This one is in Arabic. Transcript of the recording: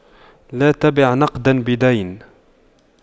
لا تبع نقداً بدين